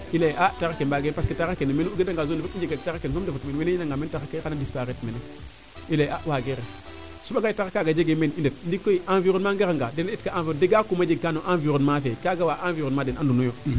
i leya a taxar kene mbaaga parce que taxar kene o ndeta nga zone ne fop taxar kene soom ndefatu meen wene yen nag meen taxr ke xana disparaitre mene i leye a waage ref a soɓa ngaye taxra kaaga jege meen i ndet ndiiki koy environnement ngara nga dena eet ka degat kum a jeg kaa na environnement fee kaaga wa environnement den andu noyo